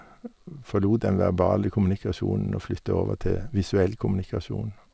Forlot den verbale kommunikasjonen og flytta over til visuell kommunikasjon.